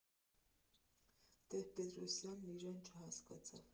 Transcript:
Տեր֊֊Պետրոսյանն իրեն չհասկացավ։